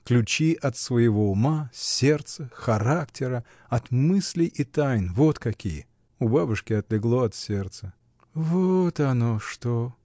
— Ключи от своего ума, сердца, характера, от мыслей и тайн — вот какие! У бабушки отлегло от сердца. — Вон оно что!